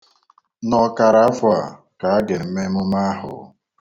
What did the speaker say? N'ọkaraafọ a ka a ga-eme emume ahụ.